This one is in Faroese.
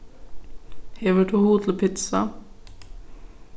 hevur tú hug til pitsa